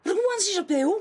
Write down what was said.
Rŵan sy isio byw?